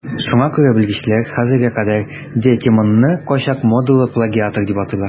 Шуңа күрә белгечләр хәзергә кадәр де Томонны кайчак модалы плагиатор дип атыйлар.